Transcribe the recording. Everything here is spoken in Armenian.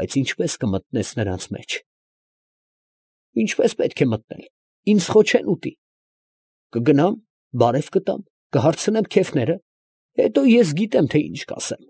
֊ Ի՞նչպես կմտնես նրանց մեջ։ ֊ Ինչպես պետք է մտնել, ինձ խո չեն ուտի. կգնամ, բարև կտամ, քեֆները կհարցնեմ, հետո ես գիտեմ, թե ինչ կասեմ…։